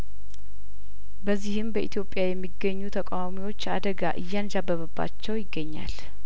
በዚህም በኢትዮትያ የሚገኙ ተቃዋሚዎች አደጋ እያንዣበበባቸው ይገኛል